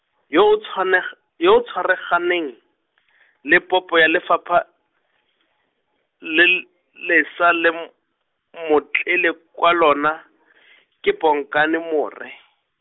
yo o tshwaneg-, yo tshwaraganeng , le popo ya lefapha, le l- lesa le m-, motlele kwa lona , ke Bongani More.